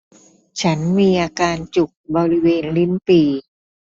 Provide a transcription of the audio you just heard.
ฉันมีอาการจุกบริเวณลิ้นปี่